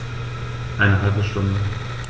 Eine halbe Stunde